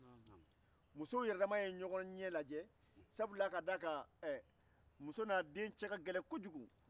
musow yɛrɛdama ye ɲɔgɔn ɲɛ laje sabula musow n'u den cɛ ka gɛlɛn kojugu